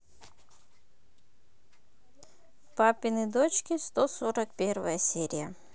папины дочки сто сорок первая серия